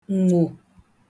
nwọ̀